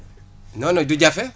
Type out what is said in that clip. non non du jafe